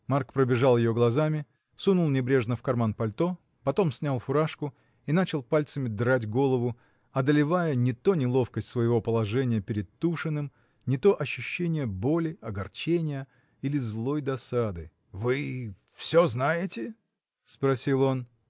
Марк пробежал ее глазами, сунул небрежно в карман пальто, потом снял фуражку и начал пальцами драть голову, одолевая не то неловкость своего положения перед Тушиным, не то ощущение боли, огорчения или злой досады. — Вы. всё знаете? — спросил он.